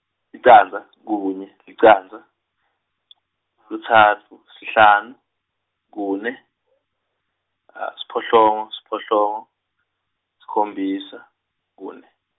licandza , kunye licandza , kutsatfu, sihlanu, kune , siphohlongo, siphohlongo, sikhombisa, kune.